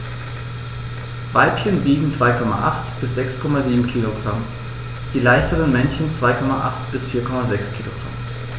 Weibchen wiegen 3,8 bis 6,7 kg, die leichteren Männchen 2,8 bis 4,6 kg.